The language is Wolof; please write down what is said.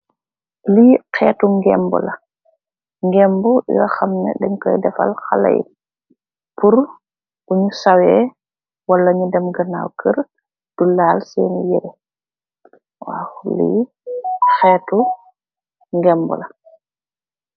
Li xeetu ngembu la, ngembu lo xam neh dajj Koy defal xalèh yi purr bujj sawee walla ñu dem ganaw kër du lal sèèn yirèh. Li xeetu ngembu la.